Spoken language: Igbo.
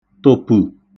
tə̣̀pù